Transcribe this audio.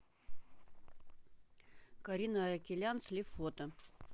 карина аракелян слив фото